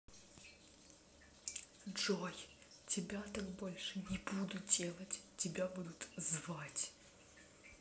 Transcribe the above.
джой тебя так больше не буду делать тебя будут звать